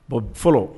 Bon fɔlɔ